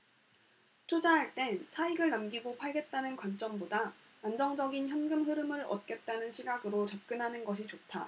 투자할 땐 차익을 남기고 팔겠다는 관점보다 안정적인 현금흐름을 얻겠다는 시각으로 접근하는 것이 좋다